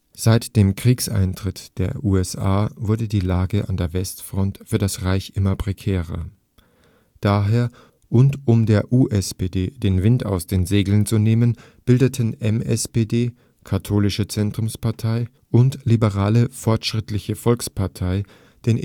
Seit dem Kriegseintritt der USA wurde die Lage an der Westfront für das Reich immer prekärer. Daher – und um der USPD den Wind aus den Segeln zu nehmen – bildeten MSPD, katholische Zentrumspartei und liberale Fortschrittliche Volkspartei den